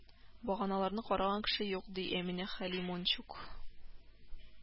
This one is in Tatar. Баганаларны караган кеше юк , ди Әминә Халимончук